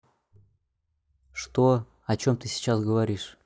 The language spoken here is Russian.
что о чем ты сейчас говоришь